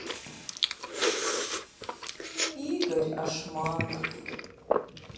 игорь ашманов